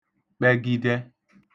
kpẹgidẹ